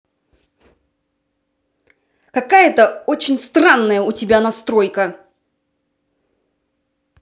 какая то очень странная у тебя настройка